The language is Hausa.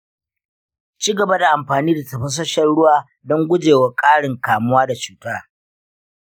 ci gaba da amfani da tafasasshen ruwa don guje wa ƙarin kamuwa da cuta.